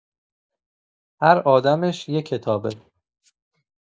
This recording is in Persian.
هر آدمش یه کتابه.